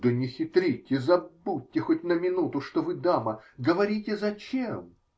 -- Да не хитрите, забудьте хоть на минуту, что вы дама, говорите -- зачем?